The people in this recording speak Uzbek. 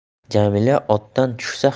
jamila otdan tushsa